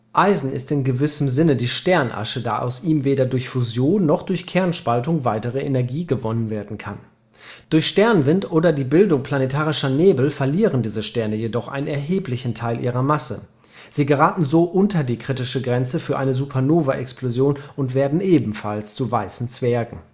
Eisen ist in gewissem Sinne die Sternenasche, da aus ihm weder durch Fusion noch durch Kernspaltung weitere Energie gewonnen werden kann. Durch Sternwind oder die Bildung Planetarischer Nebel verlieren diese Sterne jedoch einen erheblichen Teil ihrer Masse. Sie geraten so unter die kritische Grenze für eine Supernova-Explosion und werden ebenfalls zu Weißen Zwergen